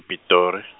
-Pitori.